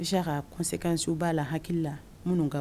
N ka kɔn sɛgɛkanso b'a la hakili la minnu ka